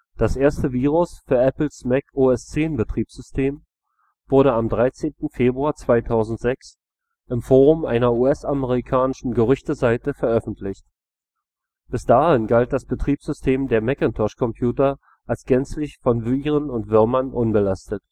Das erste Virus für Apples Mac-OS-X-Betriebssystem wurde am 13. Februar 2006 im Forum einer US-amerikanischen Gerüchteseite veröffentlicht. Bis dahin galt das Betriebssystem der Macintosh-Computer als gänzlich von Viren und Würmern unbelastet